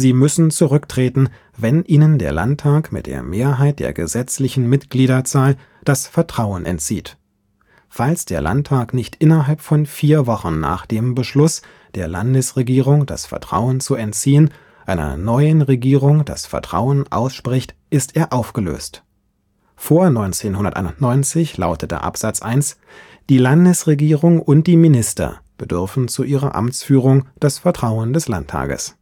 müssen zurücktreten, wenn ihnen der Landtag mit der Mehrheit der gesetzlichen Mitgliederzahl das Vertrauen entzieht. (Absatz 1 und 2) Falls der Landtag nicht innerhalb von 4 Wochen nach dem Beschluss, der Landesregierung das Vertrauen zu entziehen, einer neuen Regierung das Vertrauen ausspricht, ist er aufgelöst. (Absatz 5) Vor 1991 lautete Absatz 1: Die Landesregierung und die Minister bedürfen zu ihrer Amtsführung des Vertrauens des Landtags